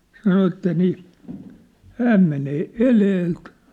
sanoi että niin hän menee edeltä